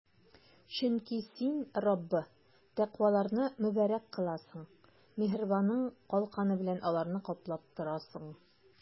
Чөнки Син, Раббы, тәкъваларны мөбарәк кыласың, миһербаның калканы белән аларны каплап торасың.